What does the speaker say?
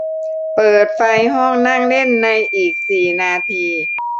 เปิดไฟห้องนั่งเล่นในอีกสี่นาที